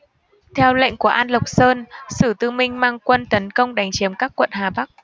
theo lệnh của an lộc sơn sử tư minh mang quân tấn công đánh chiếm các quận hà bắc